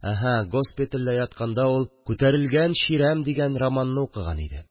Әһә, госпитальдә ятканда ул «Күтәрелгән чирәм» дигән романны укыган иде